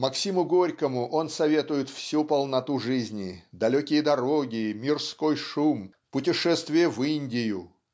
Максиму Горькому он советует всю полноту жизни далекие дороги мирской шум путешествие в Индию.